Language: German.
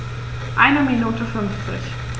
Eine Minute 50